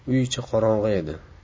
uy ichi qorong'i edi